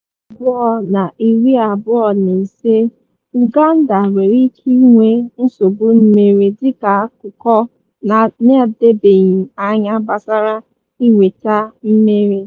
Na 2025, Uganda nwere ike ịnwe nsogbu mmiri dịka akụkọ na-adịbeghị anya gbasara ihenweta mmiri.